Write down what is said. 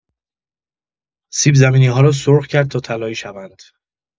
سیب‌زمینی‌ها را سرخ کرد تا طلایی شوند.